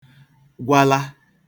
-gwala